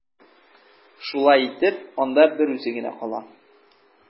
Шулай итеп, анда берүзе генә кала.